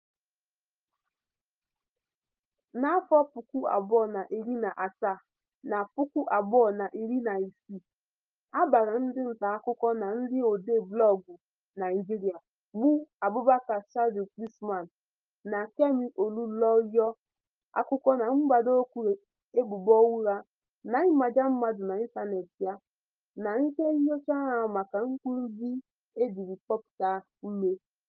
N'afọ 2017 na 2016, a gbara ndị ntaakụkọ na ndị odee blọọgụ Naịjirịa bụ Abubakar Sidiq Usman na Kemi Olunloyo akwụkwọ na mgbadoụkwụ ebubo ụgha na ịmaja mmadụ n'ịntaneetị ya na nke nyocha ha maka mpụ ndị e jiri kọmputa mee.